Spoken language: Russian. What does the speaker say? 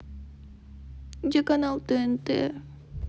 где канал тнт